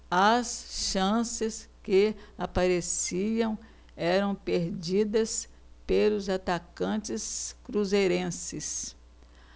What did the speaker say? as chances que apareciam eram perdidas pelos atacantes cruzeirenses